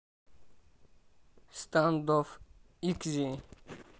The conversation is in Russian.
standoff икзи